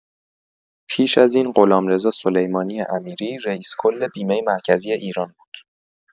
پیش از این غلامرضا سلیمانی امیری رئیس‌کل بیمه مرکزی ایران بود.